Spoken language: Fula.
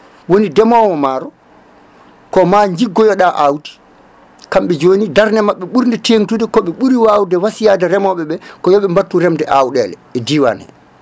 woni ndemowo maaro ko ma jiggoyoɗa awdi kamɓe joni darde mabɓe ɓuurde tengtude koɓe ɓuuri wawde wasiyade remoɓeɓe koyeɓe battu remde awɗele e diwan he